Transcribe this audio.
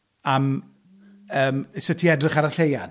Am yym... sut i edrych ar y Lleuad.